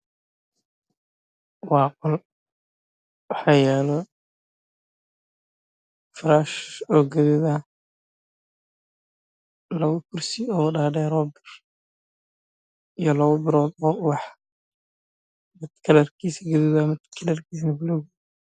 Waa qol waxa yaalo firaash gaduud ah